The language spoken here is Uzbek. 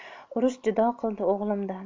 urush judo qildi o'g'limdan